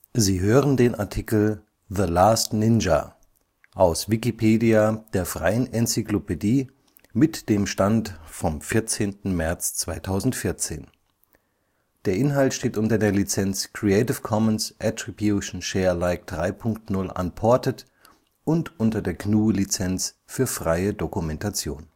Sie hören den Artikel The Last Ninja, aus Wikipedia, der freien Enzyklopädie. Mit dem Stand vom Der Inhalt steht unter der Lizenz Creative Commons Attribution Share Alike 3 Punkt 0 Unported und unter der GNU Lizenz für freie Dokumentation